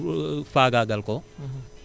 pour faagaagal ko